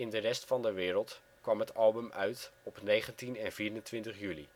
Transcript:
de rest van de wereld kwam het album uit op 19 en 24 juli